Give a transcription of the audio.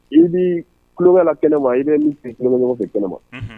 I bɛ tulonkala kɛnɛma i bɛ min fɛ kɛnɛma ɲɔgɔn fɛ kɛnɛma